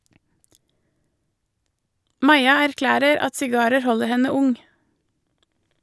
Maja erklærer at sigarer holder henne ung.